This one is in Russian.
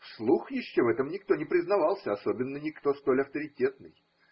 Вслух еще в этом никто не признавался, особенно никто столь авторитетный.